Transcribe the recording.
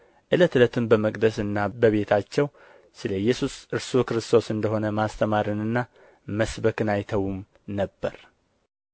ዕለት ዕለትም በመቅደስና በቤታቸው ስለ ኢየሱስ እርሱ ክርስቶስ እንደ ሆነ ማስተማርንና መስበክን አይተዉም ነበር